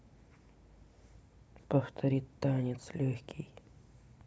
повтори танец легкий